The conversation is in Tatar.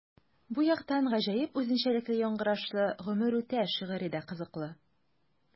Бу яктан гаҗәеп үзенчәлекле яңгырашлы “Гомер үтә” шигыре дә кызыклы.